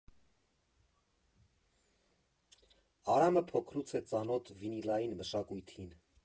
Արամը փոքրուց է ծանոթ վինիլային մշակույթին։